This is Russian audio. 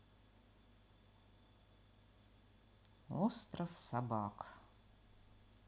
остров собак